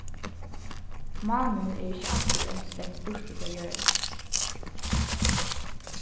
mánin er ikki altíð eins langt burtur frá jørðini